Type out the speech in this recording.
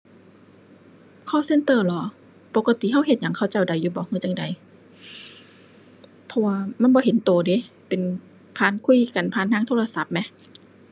call center เหรอ ปกติเราเฮ็ดหยังเขาเจ้าได้อยู่บ่เราจั่งใด เพราะว่ามันบ่เห็นเราเดะ เป็น ผ่าน คุยกันผ่านทางโทรศัพท์แหม